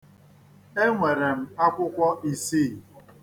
Enwere m akwụkwọ isii.